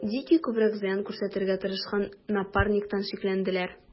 Дикий күбрәк зыян күрсәтергә тырышкан Напарниктан шикләнделәр.